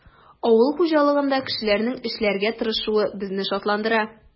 Авыл хуҗалыгында кешеләрнең эшләргә тырышуы безне шатландыра.